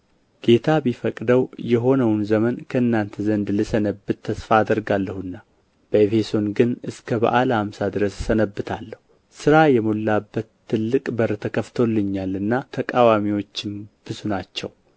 ጌታ ቢፈቅደው የሆነውን ዘመን በእናንተ ዘንድ ልሰነብት ተስፋ አደርጋለሁና በኤፌሶን ግን እስከ በዓለ ኀምሳ ድረስ እሰነብታለሁ ሥራ የሞላበት ትልቅ በር ተከፍቶልኛልና ተቃዋሚዎችም ብዙ ናቸው